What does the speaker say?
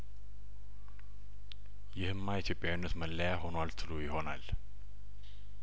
ይህ ማ የኢትዮጵያዊነት መለያ ሆኗል ትሉ ይሆናል